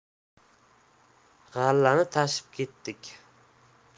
g'allani tashib ketdik